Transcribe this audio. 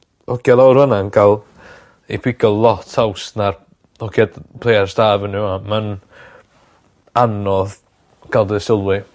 ogia lawr fynna'n ga'l eu pigo lot haws na'r hogiad players da fynny fama. Ma'n anodd ga'l dy sylwi.